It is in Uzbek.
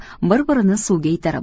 bir birini suvga itara